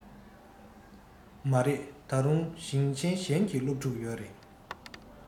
མ རེད ད དུང ཞིང ཆེན གཞན གྱི སློབ ཕྲུག ཡོད རེད